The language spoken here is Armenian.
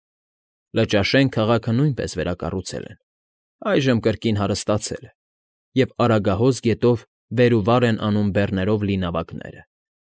Լճաշեն քաղաքը նույնպես վերակառուցել են, այժմ կրկին հարստացել է, և Արագահոս գետով վեր ու վար են անում բեռներով լի նավակները։